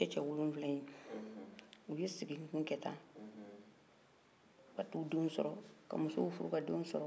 u ye sigi ninnu kɛ tan k'a t'u denw sɔrɔ ka musow furu ka denw sɔrɔ k'u mɔdenw ye k'u tulomasamaw sɔrɔ